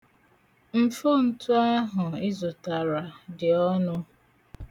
Mfontu ahụ ị zụtara dị ọnụ.